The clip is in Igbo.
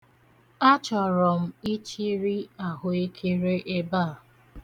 Achọrọ m ịchịrị ahụekere ebe a.